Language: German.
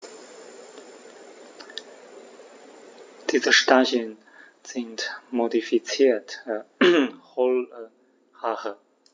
Diese Stacheln sind modifizierte, hohle Haare.